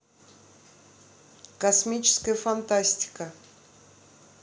космическая фантастика